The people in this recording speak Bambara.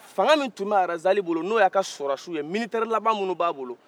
fanga min tun bɛ razali bolo n'o y'a ka sɔrasiw ye militɛri laban minnu b'a bolo